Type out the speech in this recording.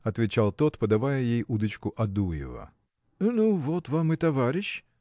– отвечал тот, подавая ей удочку Адуева. – Ну вот вам и товарищ!